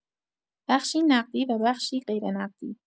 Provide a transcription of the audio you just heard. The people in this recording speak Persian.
بخشی نقدی و بخشی غیرنقدی